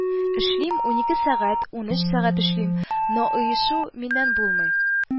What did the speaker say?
Эшлим, унике сәгать, унөч сәгать эшлим, но оешу миннән булмый